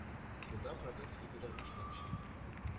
Елда продукция бирә башлаячак